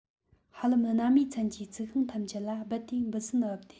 ཧ ལམ སྣ མའི ཚན གྱི རྩི ཤིང ཐམས ཅད ལ རྦད དེ འབུ སྲིན བབས ཏེ